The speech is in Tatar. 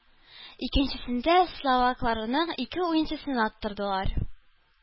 Икенчесендә словакларның ике уенчысына оттырдылар.